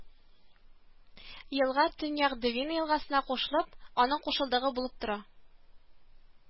Елга Төньяк Двина елгасына кушылып, аның кушылдыгы булып тора